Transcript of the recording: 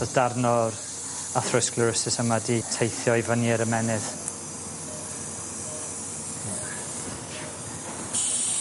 Odd darn o'r athrosglerosis yma 'di teithio i fyny yr ymennydd.